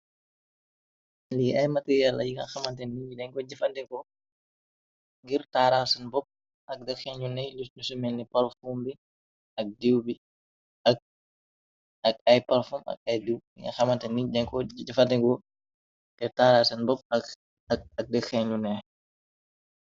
Lii ay materyalla yi nga xamante ni y denko jëfantego ngir taara seen bopp ak dëk xeen yu ney lus nusumelni bi iiw biak ay parfum ak aydu yi nga xamante ni ko jëfantego gir taara seen bopp ak dëk xeen lu neek.